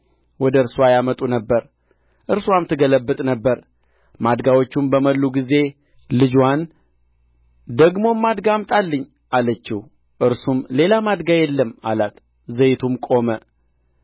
ወደ እነዚህም ማድጋዎች ሁሉ ዘይቱን ገልብጪ የሞላውንም ፈቀቅ አድርጊ አለ እንዲሁም ከእርሱ ሄዳ በሩን ከእርስዋና ከልጆችዋ በኋላ ዘጋች እነርሱም ማድጋዎቹን